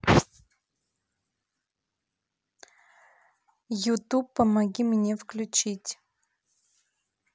ютуб помоги мне включить